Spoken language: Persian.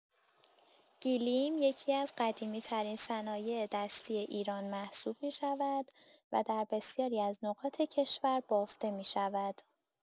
گلیم یکی‌از قدیمی‌ترین صنایع‌دستی ایران محسوب می‌شود و در بسیاری از نقاط کشور بافته می‌شود.